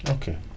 ok